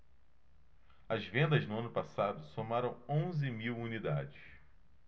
as vendas no ano passado somaram onze mil unidades